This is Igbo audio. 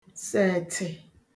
sẹ̀ṫị̀